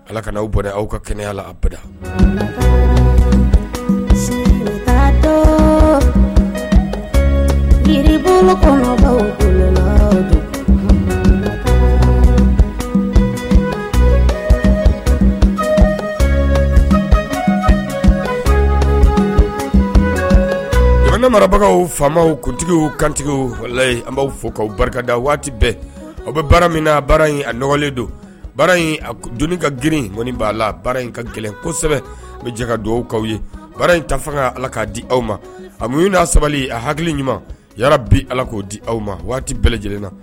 Ala kana aw bɔra aw ka kɛnɛya la apda jamana marabagaw faamaw kuntigiw kantigi an b'a fɔ' barikada waati bɛɛ aw bɛ baara min baara in a nɔgɔlen don baara in jolini ka grin nkɔni b' la baara in ka gɛlɛn kosɛbɛ bɛ jɛ ka dugawukaw ye baara in ta fanga ala k kaa di aw ma a n'a sabali a hakili ɲuman yala bi ala k'o di aw ma waati bɛɛ lajɛlenna